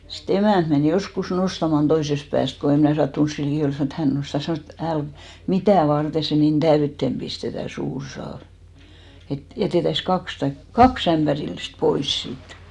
sitten emäntä meni joskus nostamaan toisesta päästä kun en minä sattunut siinä liki olla sanoi että hän nostaa sanoi et - mitä varten se niin täyteen pistetään suuri saavi että jätettäisiin kaksi tai kaksi ämpärillistä pois siitä